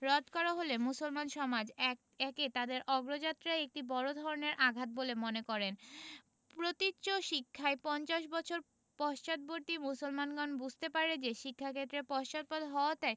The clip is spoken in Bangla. রদ করা হলে মুসলমান সমাজ এক একে তাদের অগ্রযাত্রায় একটি বড় ধরনের আঘাত বলে মনে করে প্রতীচ্য শিক্ষায় পঞ্চাশ বছর পশ্চাদ্বর্তী মুসলমানগণ বুঝতে পারে যে শিক্ষাক্ষেত্রে পশ্চাৎপদ হওয়াতে